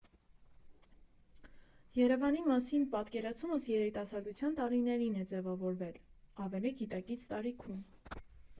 Երևանի մասին պատկերացումս երիտասարդության տարիներին է ձևավորվել՝ ավելի գիտակից տարիքում։